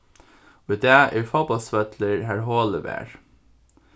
í dag er fótbóltsvøllur har holið var